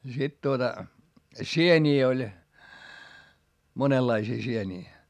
ja sitten tuota sieniä oli monenlaisia sieniä